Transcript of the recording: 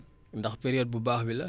ndax période bu baax bi la